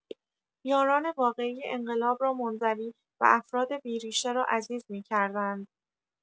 یاران واقعی انقلاب را منزوی و افراد بی‌ریشه را عزیز می‌کردند.